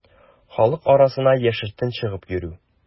Халык арасына яшертен чыгып йөрү.